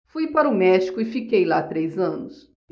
fui para o méxico e fiquei lá três anos